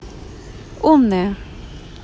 умная